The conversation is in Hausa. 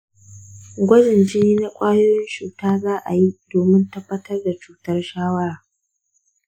gwajin jini na ƙwayoyin cuta za a yi domin tabbatar da cutar shawara.